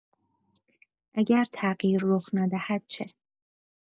اگر تغییر رخ ندهد چه؟